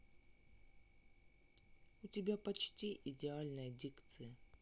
у тебя почти идеальная дикция